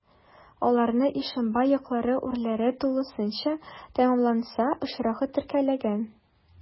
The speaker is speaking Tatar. Аларны Ишембай яклары урләре тулысынча тәмамланмаса очрагы теркәлгән.